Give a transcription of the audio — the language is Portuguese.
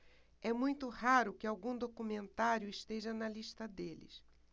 é muito raro que algum documentário esteja na lista deles